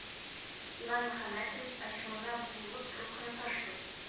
Иван мөхәммәтович ачуына буылып трубканы ташлый